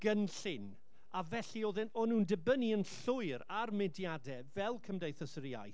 gynllun. A felly, roedden nhw'n dibynnu yn llwyr ar mudiadau fel Cymdeithas yr Iaith.